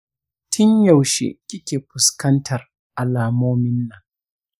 tin yaushe kike fuskantar alamomin nan?